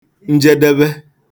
njedebe